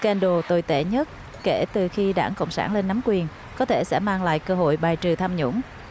ken đồ tồi tệ nhất kể từ khi đảng cộng sản lên nắm quyền có thể sẽ mang lại cơ hội bài trừ tham nhũng